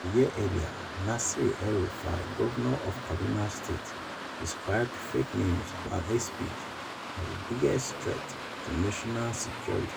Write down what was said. A year earlier, Nasir El-Rufai, governor of Kaduna State, described fake news and hate speech as the "biggest threat" to national security.